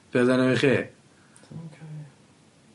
Be' o'dd enw un chi. Soi'n cofio.